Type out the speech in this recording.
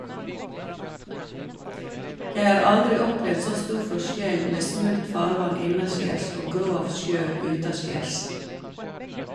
Jeg har aldri opplevd så stor forskjell med smult farvann innaskjærs og grov sjø utaskjærs.